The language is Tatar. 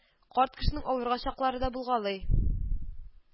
Карт кешенең авырган чаклары да булгалый